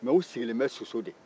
mɛ u sigilen bɛ soso de